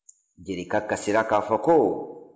jerika kasira k'a fɔ ko